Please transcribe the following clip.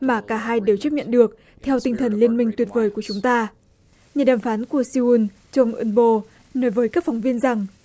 mà cả hai đều chấp nhận được theo tinh thần liên minh tuyệt vời của chúng ta nhà đàm phán của xê un chung ưn bô nói với các phóng viên rằng